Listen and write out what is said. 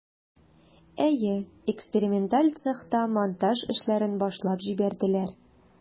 Әйе, эксперименталь цехта монтаж эшләрен башлап җибәрделәр.